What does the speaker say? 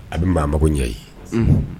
A bɛ maa ɲɛ ye